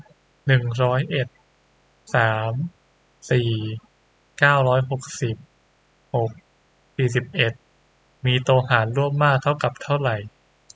หนึ่งร้อยเอ็ดสามสี่เก้าร้อยหกสิบหกสี่สิบเอ็ดมีตัวหารร่วมมากเท่ากับเท่าไหร่